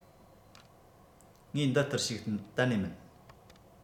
ངའི འདི ལྟར ཞིག གཏན ནས མིན